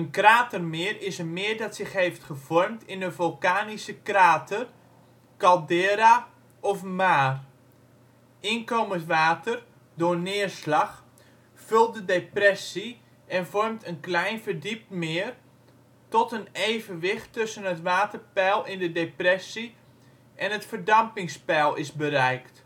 kratermeer is een meer dat zich heeft gevormd in een vulkanische krater, caldera of maar. Inkomend water (door neerslag) vult de depressie en vormt een klein verdiept meer, tot een evenwicht tussen het waterpeil in de depressie en het verdampingspeil is bereikt